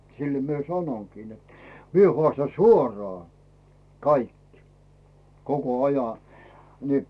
sillä minä sanonkin että minä haastan suoraan kaikki koko ajan niin